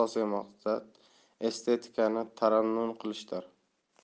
asosiy maqsad estetikani tarannum qilishdir